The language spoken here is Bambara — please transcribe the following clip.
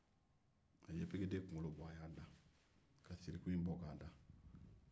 a ye yefegeden kunkolo bɔ k'a da ka siriku bɔ k'a da